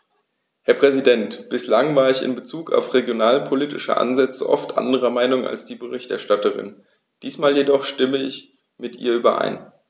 Herr Präsident, bislang war ich in Bezug auf regionalpolitische Ansätze oft anderer Meinung als die Berichterstatterin, diesmal jedoch stimme ich mit ihr überein.